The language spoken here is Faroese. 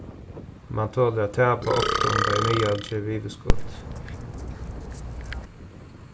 mann tolir at tapa ofta um tað í miðal gevur yvirskot